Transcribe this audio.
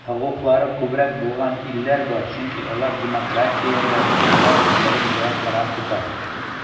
Хокуклары күбрәк булган илләр бар, чөнки алар демократияләр, алар үзләрен җаваплырак тота.